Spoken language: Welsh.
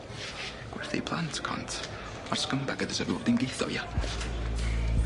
Gwerthu i plant, cont ma'r scumbag yn deserfio bob dim geith o ia?